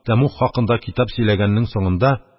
Тәмуг хакында китап сөйләгәннең соңында,